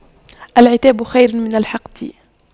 العتاب خير من الحقد